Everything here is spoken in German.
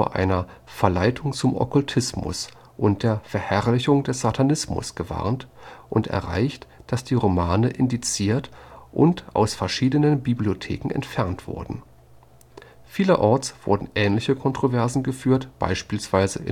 einer „ Verleitung zum Okkultismus “und der „ Verherrlichung des Satanismus “gewarnt und erreicht, dass die Romane indiziert und aus verschiedenen Bibliotheken entfernt wurden. Vielerorts wurden ähnliche Kontroversen geführt, beispielsweise